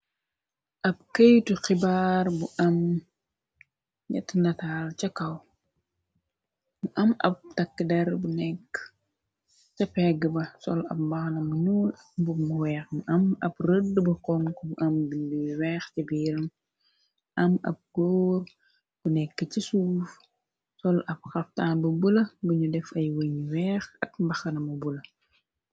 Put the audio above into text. ab keytu xibaar bu am ñeti nataal ca kaw bu am ab takk der bu nekk ca pegg ba sol ab mbaxnamunuul bu mu weex mu am ab rëdd bu xongo bu am bindiy weex ci biiram am ab góor bu nekk ci suuf sol ab xaftaan bu bula bunu def ay wëñ weex ak mbaxanamu bula.